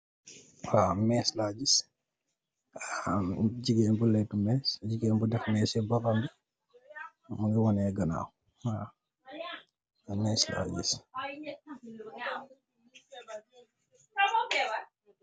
Més la gis, gigeen bu lèttu més , mu ngi waneh ganaw.